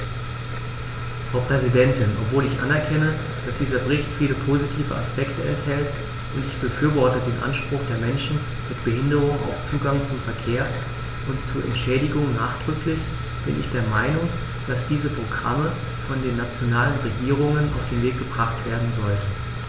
Frau Präsidentin, obwohl ich anerkenne, dass dieser Bericht viele positive Aspekte enthält - und ich befürworte den Anspruch der Menschen mit Behinderung auf Zugang zum Verkehr und zu Entschädigung nachdrücklich -, bin ich der Meinung, dass diese Programme von den nationalen Regierungen auf den Weg gebracht werden sollten.